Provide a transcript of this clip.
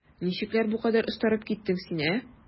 Ничекләр бу кадәр остарып киттең син, ә?